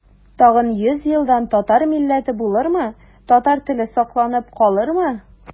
Тагын йөз елдан татар милләте булырмы, татар теле сакланып калырмы?